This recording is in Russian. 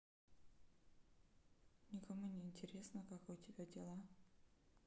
никому не интересно как у тебя дела